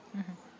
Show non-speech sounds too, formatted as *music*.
*hesitation* *hesitation*